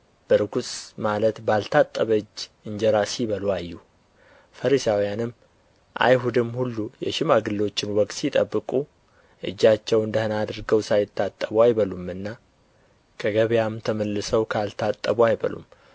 በርኵስ ማለት ባልታጠበ እጅ እንጀራ ሲበሉ አዩ ፈሪሳውያንና አይሁድም ሁሉ የሽማግሎችን ወግ ሲጠብቁ እጃቸውን ደኅና አድርገው ሳይታጠቡ አይበሉምና ከገበያም ተመልሰው ካልታጠቡ አይበሉም